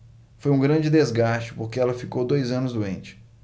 foi um grande desgaste porque ela ficou dois anos doente